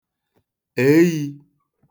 èeyī